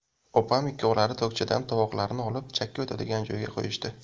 opam ikkovlari tokchadan tovoqlarni olib chakka o'tadigan joyga qo'yishdi